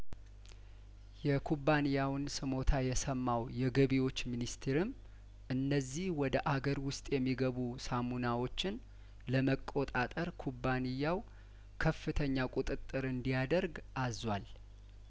የኩባንያውን ስሞታ የሰማው የገቢዎች ሚኒስትርም እነዚህ ወደ አገር ውስጥ የሚገቡ ሳሙናዎችን ለመቆጣጠር ኩባንያው ከፍተኛ ቁጥጥር እንዲያደርግ አዟል